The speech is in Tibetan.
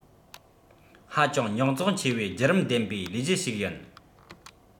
ཧ ཅང རྙོག འཛིང ཆེ བའི རྒྱུད རིམ ལྡན པའི ལས གཞི ཞིག ཡིན